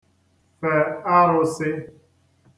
fe arusị̄